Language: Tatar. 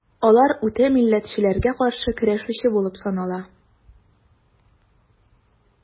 Алар үтә милләтчеләргә каршы көрәшүче булып санала.